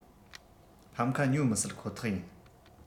ཕན ཁ ཉོ མི སྲིད ཁོ ཐག ཡིན